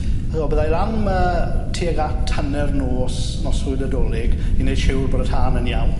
byddai lan 'ma tuag at hanner nos noswyl Nadolig i neud siŵr bod y tân yn iawn.